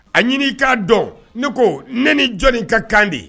A ɲini k'a dɔn ne ko ne ni jɔnni ka kan de